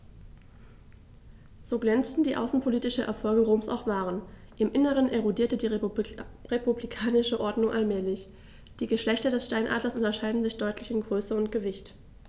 So glänzend die außenpolitischen Erfolge Roms auch waren: Im Inneren erodierte die republikanische Ordnung allmählich. Die Geschlechter des Steinadlers unterscheiden sich deutlich in Größe und Gewicht.